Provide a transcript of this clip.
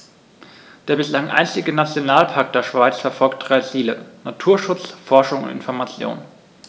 Der bislang einzige Nationalpark der Schweiz verfolgt drei Ziele: Naturschutz, Forschung und Information.